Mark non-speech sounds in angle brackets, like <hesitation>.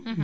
<hesitation> <hesitation>